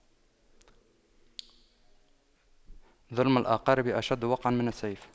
ظلم الأقارب أشد وقعا من السيف